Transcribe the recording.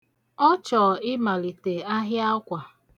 Ọ chọ imalite ahịa akwa.